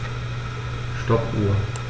Stoppuhr.